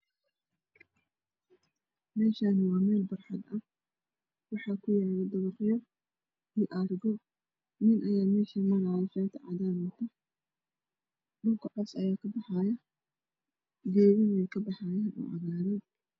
Meeshaani waa meel barxad dabaqyo ayaa kuyaalo iyo argo nin ayaa meesha marayo shaati cadaan wato dhulka cos ayaa ka baxaayo gedana way ka baxaayan oo cagaaran